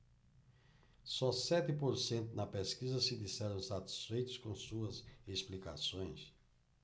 só sete por cento na pesquisa se disseram satisfeitos com suas explicações